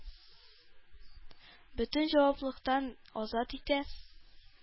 Бөтен җаваплыктан азат итә.